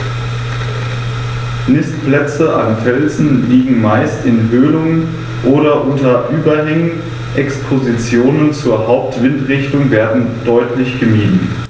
Nistplätze an Felsen liegen meist in Höhlungen oder unter Überhängen, Expositionen zur Hauptwindrichtung werden deutlich gemieden.